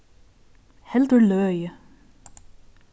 heldur løgið